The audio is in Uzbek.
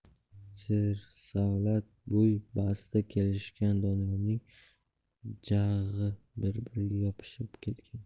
sersavlat bo'y basti kelishgan doniyorning jag'i bir biriga yopishib ketgan